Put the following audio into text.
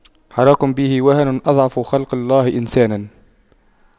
حراك به وهن أضعف خلق الله إنسانا